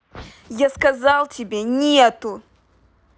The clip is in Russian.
я сказал тебе нету